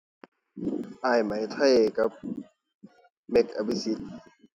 อ้ายไหมไทยกับเม้ก อภิสิทธิ์